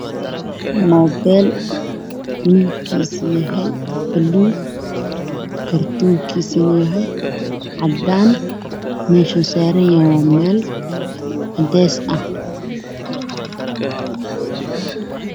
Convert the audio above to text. Moobeel midabkiisa yahay buluug kartoonkiaa yahay cadaan